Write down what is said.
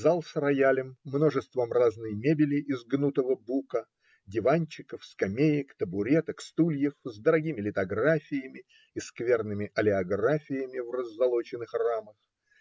зал с роялем, множеством разной мебели из гнутого бука, диванчиков, скамеек, табуреток, стульев, с дорогими литографиями и скверными олеографиями в раззолоченных рамах